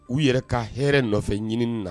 U yɛrɛ ka hɛrɛ nɔfɛ ɲinin na